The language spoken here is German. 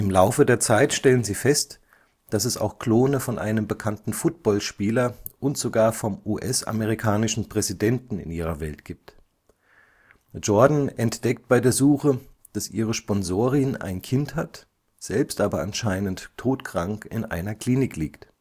Laufe der Zeit stellen sie fest, dass es auch Klone von einem bekannten Football-Spieler und sogar vom US-amerikanischen Präsidenten in ihrer Welt gibt. Jordan entdeckt bei der Suche, dass ihre Sponsorin ein Kind hat, selbst aber anscheinend todkrank in einer Klinik liegt